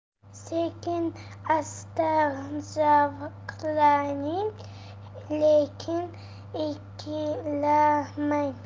sekin asta zavqlaning lekin ikkilanmang